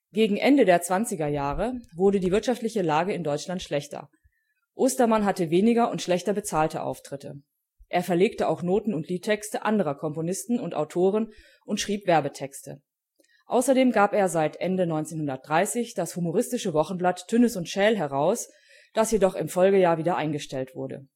Gegen Ende der 1920er Jahre wurde die wirtschaftliche Lage in Deutschland schlechter. Ostermann hatte weniger und schlechter bezahlte Auftritte. Er verlegte auch Noten und Liedtexte anderer Komponisten und Autoren und schrieb Werbetexte. Außerdem gab er seit Ende 1930 das humoristische Wochenblatt Tünnes und Schäl heraus, das jedoch im Folgejahr wieder eingestellt wurde